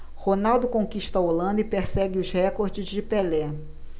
ronaldo conquista a holanda e persegue os recordes de pelé